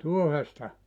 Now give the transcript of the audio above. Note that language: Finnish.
tuohesta